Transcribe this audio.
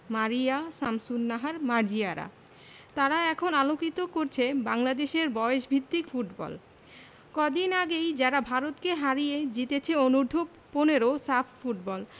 মারিয়া শামসুন্নাহার মার্জিয়ারা তারা এখন আলোকিত করছে বাংলাদেশের বয়সভিত্তিক ফুটবল কদিন আগেই যারা ভারতকে হারিয়ে জিতেছে অনূর্ধ্ব ১৫ সাফ ফুটবল